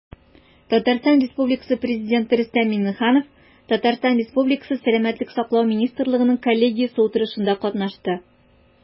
Татарстан Республикасы Президенты Рөстәм Миңнеханов ТР Сәламәтлек саклау министрлыгының коллегиясе утырышында катнашты.